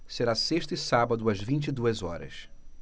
será sexta e sábado às vinte e duas horas